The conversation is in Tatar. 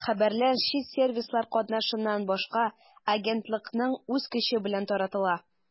Хәбәрләр чит сервислар катнашыннан башка агентлыкның үз көче белән таратыла.